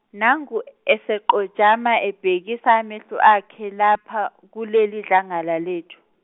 nangu eseqojama ebhekisa amehlo akhe lapha, kulelidlangala lethu.